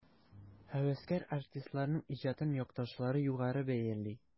Һәвәскәр артистларның иҗатын якташлары югары бәяли.